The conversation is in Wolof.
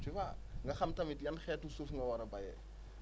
tu vois nga xam tamit yan xeetu suuf nga war a bayee